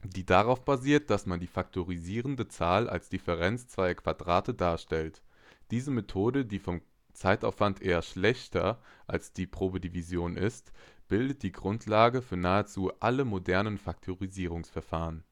die darauf basiert, dass man die zu faktorisierende Zahl als Differenz zweier Quadrate darstellt. Diese Methode, die vom Zeitaufwand eher schlechter als die Probedivision ist, bildet die Grundlage für nahezu alle modernen Faktorisierungsverfahren